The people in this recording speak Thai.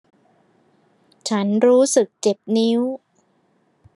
ฉันรู้สึกเจ็บนิ้ว